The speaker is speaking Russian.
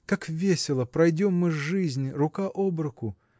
Как весело пройдем мы жизнь рука об руку!